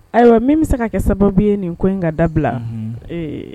Ayiwa min bɛ se ka kɛ sababu ye nin ko in ka dabila ee